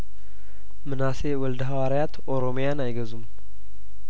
ምናሴ ወልደሀዋሪያት ኦሮሚያን አይገዙም